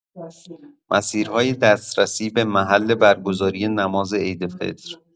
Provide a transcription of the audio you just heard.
مسیرهای دسترسی به محل برگزاری نماز عیدفطر